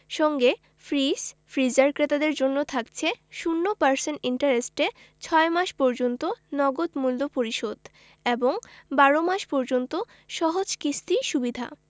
সঙ্গে fridge freezer ক্রেতাদের জন্য থাকছে ০% ইন্টারেস্টে ৬ মাস পর্যন্ত নগদ মূল্য পরিশোধ এবং ১২ মাস পর্যন্ত সহজ কিস্তি সুবিধা